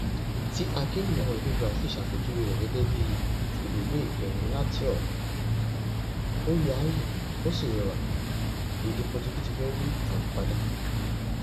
Ti akẹ́wì ọmọ ìlú Brazil ṣe àpéjúwe rẹ̀ gẹ́gẹ́ bíi "òdòdó ìkẹyìn Latium, ó yááyì ó sì rẹwà", èdè Pọtugí ti fẹ́ rí àyípadà.